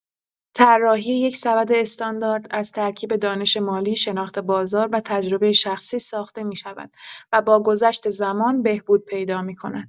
طراحی یک سبد استاندارد از ترکیب دانش مالی، شناخت بازار و تجربه شخصی ساخته می‌شود و با گذشت زمان بهبود پیدا می‌کند.